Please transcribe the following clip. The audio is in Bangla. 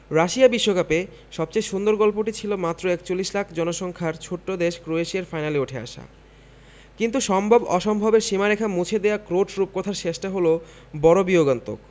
রাশিয়া বিশ্বকাপে সবচেয়ে সুন্দর গল্পটি ছিল মাত্র ৪১ লাখ জনসংখ্যার ছোট্ট দেশ ক্রোয়েশিয়ার ফাইনালে উঠে আসা কিন্তু সম্ভব অসম্ভবের সীমারেখা মুছে দেয়া ক্রোট রূপকথার শেষটা হল বড় বিয়োগান্তক